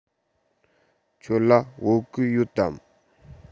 ཁྱོད ལ བོད གོས ཡོད དམ